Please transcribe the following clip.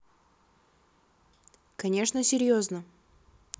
конечно серьезно